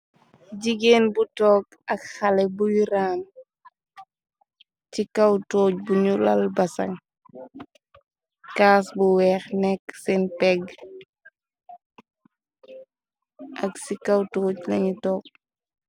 Jigéen bu toog ak xale bu raam, ci kaw tooji buñu lal basa , caas bu weex nekk seen pegg ak ci kaw tooji lañu tog.